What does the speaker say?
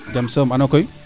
jam soom anoo koy